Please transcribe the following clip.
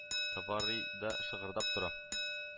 Товары да шыгырдап тора